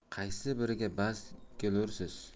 qaysi biriga bas kelursiz